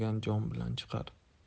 jon bilan chiqar